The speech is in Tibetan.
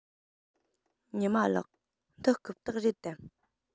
ཉི མ ལགས འདི རྐུབ སྟེགས རེད དམ